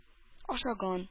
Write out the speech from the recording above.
Ашаган